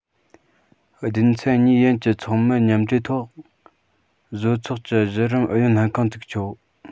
སྡེ ཚན གཉིས ཡན གྱི ཚོགས མི མཉམ འབྲེལ ཐོག བཟོ ཚོགས ཀྱི གཞི རིམ ཨུ ཡོན ལྷན ཁང བཙུགས ཆོག